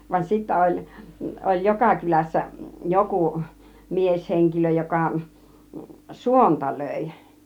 vaan sitten oli oli joka kylässä joku mieshenkilö joka suonta löi